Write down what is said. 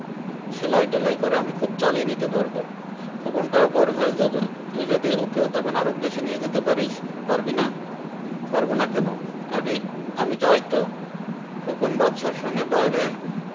সেলাই টেলাই করে আমি খুব চালিয়ে নিতে পারব খোকনটাও বড় হয়ে যাবে তুই যদি ওকেও তখন আরব দেশে নিয়ে যেতে পারিস পারবি না পারব না কেন আগে আমি যাই তো খোকন বাদশার সঙ্গে বাইরে